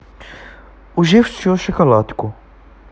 уже всю шоколадку